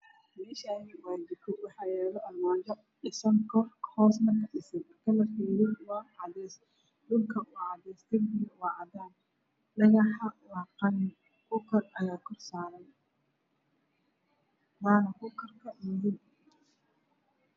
Meeshaani waa jiko waxaa yaalo armaajo dhisan kor hoosna ka dhisan kalarkeeda waa cadays dhulka waa cadays darbiga waa cadaan dhagaxa waa qalin kuukar ayaa kor saaran waana kuukarka madow.